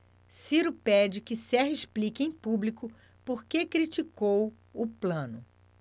ciro pede que serra explique em público por que criticou plano